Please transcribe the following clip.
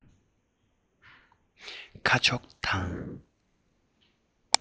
ཁ ཕྱོགས དང